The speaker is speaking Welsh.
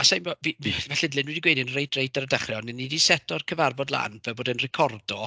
Sa i'n gwybod, fi fi... falle dylen i fod wedi gweud hyn reit, reit ar y dechrau. Ond 'y ni 'di seto'r cyfarfod lan fe bod e'n recordo.